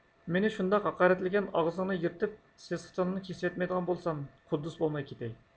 مېنى شۇنداق ھاقارەتلىگەن ئاغزىڭنى يىرتىپ سېسىق تىلىڭنى كېسىۋەتمەيدىغان بولسام قۇددۇس بولماي كېتەي